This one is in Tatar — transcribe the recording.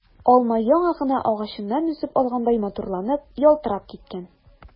Алма яңа гына агачыннан өзеп алгандай матурланып, ялтырап киткән.